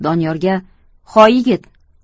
doniyorga hoy yigit